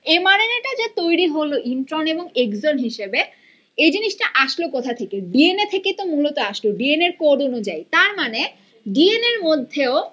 M R NA টা যে তৈরি হলো ইন্টরন এবং এক্সন হিসেবে এই জিনিসটা আসলো কোথা থেকে ডিএনএ থেকে তো মূলত আসলো ডি এন এর কোড অনুযায়ী তারমানে ডি এন এর মধ্যেও